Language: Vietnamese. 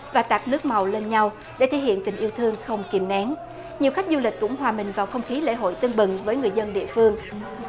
và tạt nước màu lên nhau để thể hiện tình yêu thương không kìm nén nhiều khách du lịch cũng hòa mình vào không khí lễ hội tưng bừng với người dân địa phương